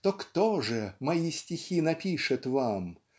то кто же Мои стихи напишет вам